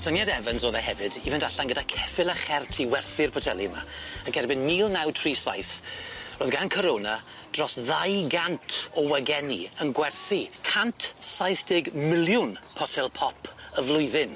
Syniad Evans o'dd e hefyd i fynd allan gyda ceffyl a chert i werthu'r poteli yma ac erbyn mil naw tri saith roedd gan Corona dros ddau gant o wageni yn gwerthu cant saith deg miliwn potel pop y flwyddyn.